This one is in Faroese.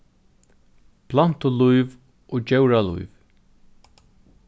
plantulív og djóralív